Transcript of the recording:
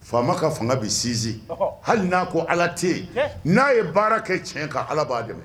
Faama ka fanga bin sinsin hali n'a ko ala tɛ yen n'a ye baara kɛ tiɲɛ ka ala b'a dɛmɛ